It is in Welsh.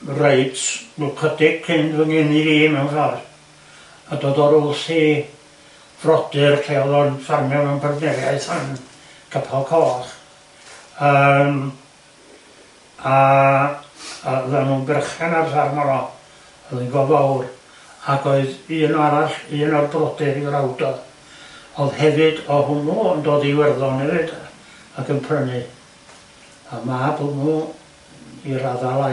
reit lwc- chydig cyn fy ngeni fi mewn ffor a dod o rwth i frodyr lle oedd o'n ffarmio mewn partneriaeth yn Capal Coch yym a a o'dden n'w'n berchen ar ffarm honno, o'dd hi'n go fowr ac oedd un arall un o'r brodyr i frawd o o'dd hefyd o hwnnw yn dod i Werddon efyd ac yn prynu a mab o hwnnw i radda lai.